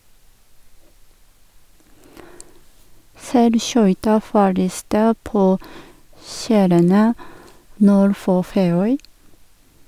Seilskøyta forliste på skjærene nord for Feøy.